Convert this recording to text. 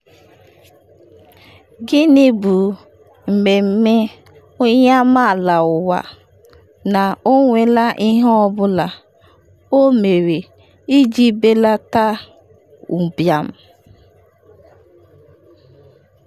Gịnị bụ Mmemme Global Citizen, na Ọ nwela Ihe Ọ Bụla Ọ Mere Iji Belata Ụbịam?